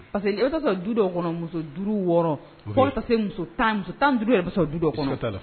Parce que e bɛ ka du dɔ kɔnɔ muso duuru wɔɔrɔ muso tan tan duuru bɛ du